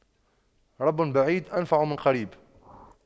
رب بعيد أنفع من قريب